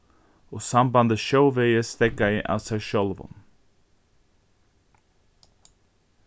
og sambandið sjóvegis steðgaði av sær sjálvum